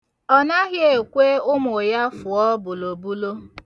Ọ naghị ekwe ụmụ ya fụọ bùlòbulo.